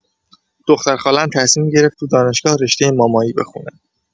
دخترخاله‌ام تصمیم گرفت تو دانشگاه رشته مامایی بخونه.